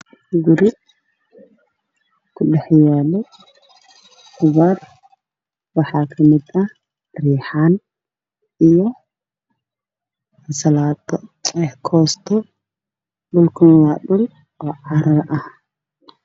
Guri ku dhexyaalo qudaar waxaa ka mid ah reexaan an salaado koosto dhulkuna waa dhulboo caro ah.